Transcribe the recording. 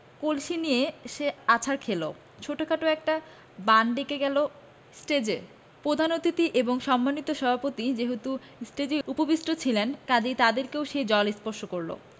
কনসি নিয়ে সে আছাড় খেলো ছােটখাট একটা বান ডেকে গেল টেজে প্রধান অতিথি এবং সম্মানিত সভাপতি যেহেতু ষ্টেজেই উপবিষ্ট ছিলেন কাজেই তাদেরকেও সেই জল স্পর্শ করল